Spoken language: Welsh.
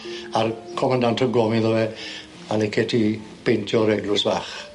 A'r comandant yn gofyn iddo fe a licet ti peintio'r eglws fach.